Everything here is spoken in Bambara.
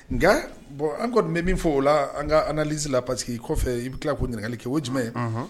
Nka bɔn an kɔni nin bɛ min fɔ o la an ka ala z la pari que kɔfɛ i bɛ tila' ɲininkakali kɛ o jumɛn ye